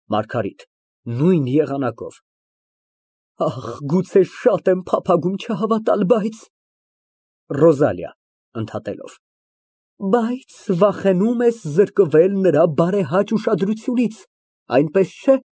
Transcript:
ՄԱՐԳԱՐԻՏ ֊ (Նույն եղանակով) Ախ, գուցե, շատ եմ փափագում չհավատալ, բայց… ՌՈԶԱԼԻԱ ֊ (Ընդհատելով) Բայց վախենում ես զրկվել նրա բարեհաճ ուշադրությունից, այնպես չէ՞։